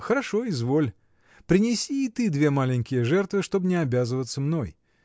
Хорошо, изволь: принеси и ты две маленькие жертвы, чтоб не обязываться мной.